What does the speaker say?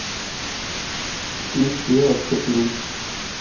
включи авто плюс